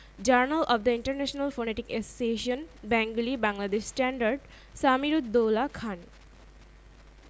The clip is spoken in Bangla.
৬৯৬৯ নম্বরে ম্যাসেজ পাঠিয়ে দিয়ে ক্রয়কৃত ফ্রিজ বা ফ্রিজারটির পুরো মূল্য ফেরত পেতে পারেন এ ছাড়া সিঙ্গার ফ্রিজ বা ফ্রিজার ক্রয়ে পাওয়া যাবে ১৫ ০০০ টাকা পর্যন্ত ডিসকাউন্ট